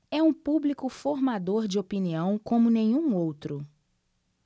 é um público formador de opinião como nenhum outro